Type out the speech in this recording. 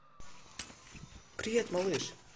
привет малыш